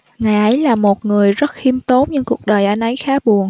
ngài ấy là một người rất khiêm tốn nhưng cuộc đời anh ấy khá buồn